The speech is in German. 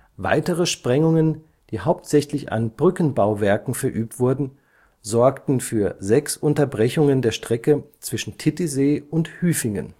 Weitere Sprengungen, die hauptsächlich an Brückenbauwerken verübt wurden, sorgten für sechs Unterbrechungen der Strecke zwischen Titisee und Hüfingen